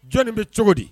Jɔnni bɛ cogo di